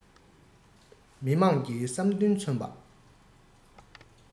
མི དམངས ཀྱི བསམ འདུན མཚོན པ